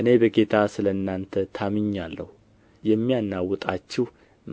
እኔ በጌታ ስለ እናንተ ታምኜአለሁ የሚያናውጣችሁ